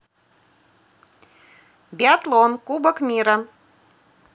биатлон кубок мира